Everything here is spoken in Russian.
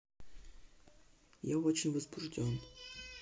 я очень возбужден